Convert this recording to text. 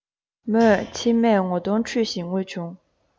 མོས མཆིལ མས ངོ གདོང འཁྲུད བཞིན ངུས བྱུང